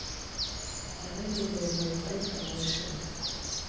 давай другой баю бай про малышей